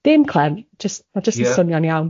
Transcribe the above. ...dim clem jyst ma'... Ie. ...jyst yn swnio'n iawn.